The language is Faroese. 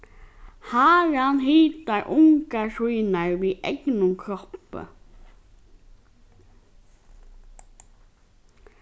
haran hitar ungar sínar við egnum kroppi